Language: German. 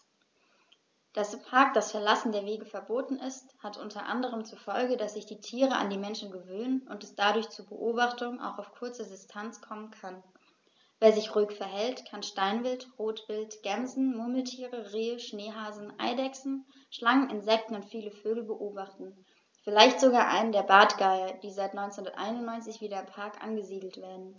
Dass im Park das Verlassen der Wege verboten ist, hat unter anderem zur Folge, dass sich die Tiere an die Menschen gewöhnen und es dadurch zu Beobachtungen auch auf kurze Distanz kommen kann. Wer sich ruhig verhält, kann Steinwild, Rotwild, Gämsen, Murmeltiere, Rehe, Schneehasen, Eidechsen, Schlangen, Insekten und viele Vögel beobachten, vielleicht sogar einen der Bartgeier, die seit 1991 wieder im Park angesiedelt werden.